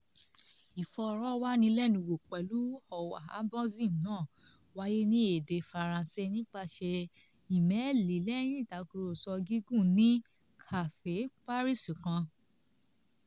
Ìfọ̀rọ̀wánilẹ́nuwò pẹ̀lú Ouabonzi náà wáyé ní èdè Faransé nípasẹ̀ ímeèlì lẹ́yìn ìtàkúrọ̀sọ̀ gígún ní kàféè Paris kan.